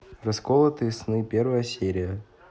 расколотые сны первая серия